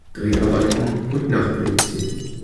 Dreharbeiten und Nachproduktion